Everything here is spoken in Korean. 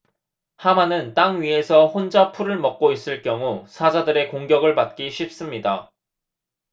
하마는 땅 위에서 혼자 풀을 먹고 있을 경우 사자들의 공격을 받기 쉽습니다